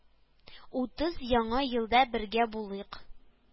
Утыз яңа елда бергә булыйк